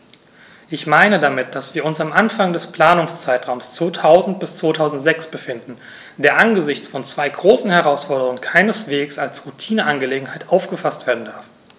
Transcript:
Ich meine damit, dass wir uns am Anfang des Planungszeitraums 2000-2006 befinden, der angesichts von zwei großen Herausforderungen keineswegs als Routineangelegenheit aufgefaßt werden darf.